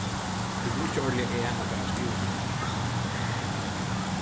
tí tað er ikki ordiliga eg at fara á skriviskeið